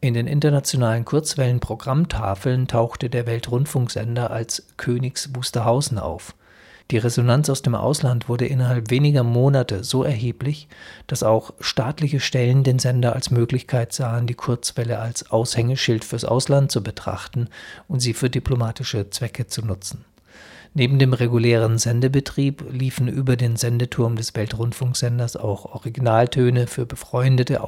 den internationalen Kurzwellen-Programmtafeln tauchte der Weltrundfunksender als „ Königs Wusterhausen “auf. Die Resonanz aus dem Ausland wurde innerhalb weniger Monate so erheblich, dass auch staatliche Stellen den Sender als Möglichkeit sahen, die Kurzwelle als Aushängeschild fürs Ausland zu betrachten und sie für diplomatische Zwecke zu nutzen. Neben dem regulären Sendebetrieb liefen über den Sendeturm des Weltrundfunksenders auch Originaltöne für befreundete